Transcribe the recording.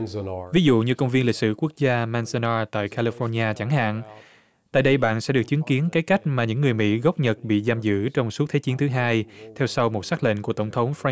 ví dụ như công viên lịch sử quốc gia man xa na tại ca li pho nhi a chẳng hạn tại đây bạn sẽ được chứng kiến cái cách mà những người mĩ gốc nhật bị giam giữ trong suốt thế chiến thứ hai theo sau một sắc lệnh của tổng thống phanh